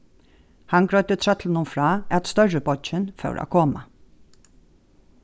hann greiddi trøllinum frá at størri beiggin fór at koma